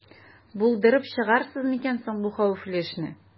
Булдырып чыгарсыз микән соң бу хәвефле эшне?